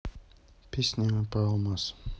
песня про алмаз